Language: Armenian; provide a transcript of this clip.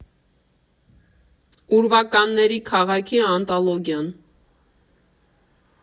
Ուրվականների քաղաքի անթոլոգիան։